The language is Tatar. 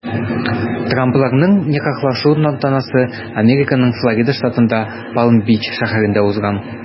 Трампларның никахлашу тантанасы Американың Флорида штатында Палм-Бич шәһәрендә узган.